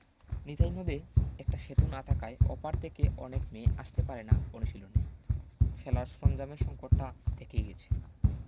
নিতাই নদে একটা সেতু না থাকায় অপার থেকে অনেক মেয়ে আসতে পারে না অনুশীলনে খেলার সরঞ্জামের সংকটটা থেকেই গেছে